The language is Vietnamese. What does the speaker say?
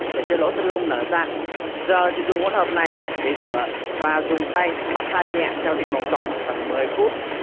để cho lỗ chân lông nở ra giờ thì dùng hỗn hợp này để rửa và dùng tay mát xa nhẹ trong vòng phút